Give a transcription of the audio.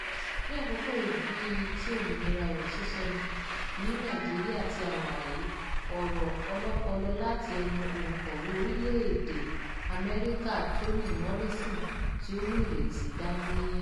Ní àkókò bíi ti òmìnira ọ̀rọ̀ sísọ ní Nàìjíríà tí a wà yìí, ọ̀rọ̀ ọlọ́pọlọ láti ẹnu òǹkọ̀wé orílẹ̀-èdèe Amẹ́ríkà Toni Morrison tí ó mú ìrétí dání: